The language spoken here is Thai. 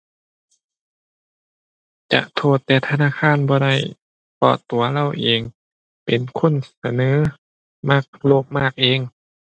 ก็โทษแต่ธนาคารบ่ได้ เพราะตัวเราเองเป็นคนเสนอ มักโลภมากเอง